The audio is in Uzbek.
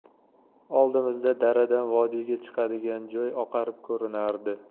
oldimizda daradan vodiyga chiqadigan joy oqarib ko'rinardi